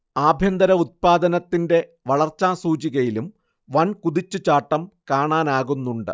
ആഭ്യന്തര ഉത്പാദനത്തിന്റെ വളർച്ചാ സൂചികയിലും വൻകുതിച്ചു ചാട്ടം കാണാനാകുന്നുണ്ട്